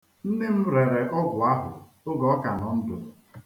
Nne m rere ọgwụ ahụ oge ọ ka nọ ndụ.